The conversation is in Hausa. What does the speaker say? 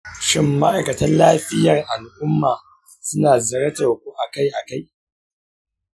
shin ma’aikatan lafiyar al’umma suna ziyartar ku akai-akai?